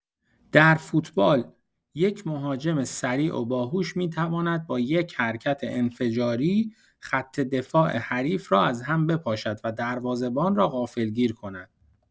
در فوتبال، یک مهاجم سریع و باهوش می‌تواند با یک حرکت انفجاری، خط دفاع حریف را از هم بپاشد و دروازه‌بان را غافلگیر کند.